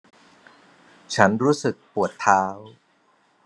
ฉันรู้สึกปวดเท้า